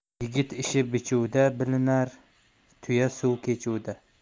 yigit ishi bichuvda bilinar tuya suv kechuvda